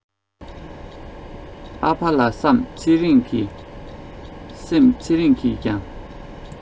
ཨ ཕ ལ བསམ ཚེ རིང གི སེམས ཚེ རིང གིས ཀྱང